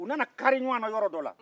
u nana kari ɲuwanna yɔrɔ dɔ la